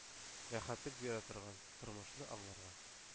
Рәхәтлек бирә торган, тормышны аңларга,